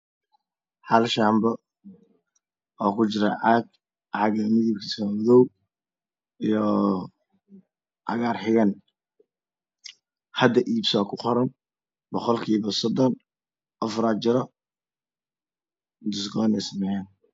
Hal shaanbo oo kujira caag caaga midabkiisu waa madaw iyo cagaar xiga hada iibso kuqoran boqolkiiba sodon afar jiroo